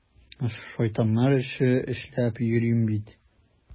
Шайтаннар эше эшләп йөрим бит!